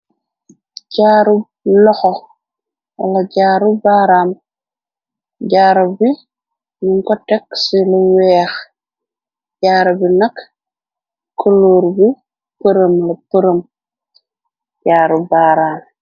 Jaaru loxo wala jaaru baaraam jaarab bi nu ngotek ci lu weex jaar bi nak culuur bi përam la përam jaaru baaraam.